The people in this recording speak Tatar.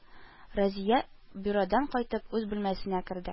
Разия, бюродан кайтып, үз бүлмәсенә керде